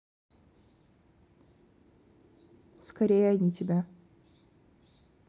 скорее они тебя